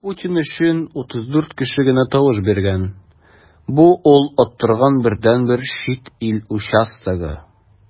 Путин өчен 34 кеше генә тавыш биргән - бу ул оттырган бердәнбер чит ил участогы.